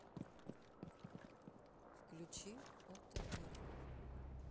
включи отр